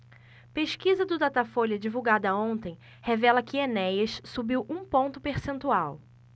pesquisa do datafolha divulgada ontem revela que enéas subiu um ponto percentual